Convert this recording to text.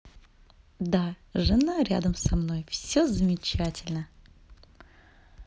да жена рядом все замечательно